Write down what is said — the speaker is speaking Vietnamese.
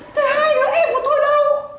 thế hai đứa em của tôi đâu